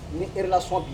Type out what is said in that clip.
Ni relation b'i